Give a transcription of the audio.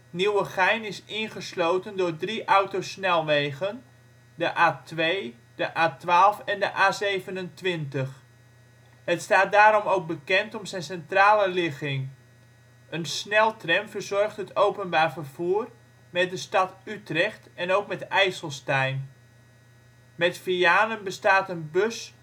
Nieuwegein is ingesloten door drie autosnelwegen, de A2, de A12 en de A27. Het staat daarom ook bekend om zijn centrale ligging. Een sneltram verzorgt het openbaar vervoer met de stad Utrecht en ook met IJsselstein. Met Vianen bestaat een bus